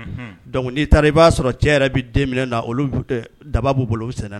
Dɔnkuc n'i taara i b'a sɔrɔ cɛ yɛrɛ bɛ denmin na olu daba' bolo u sɛnɛ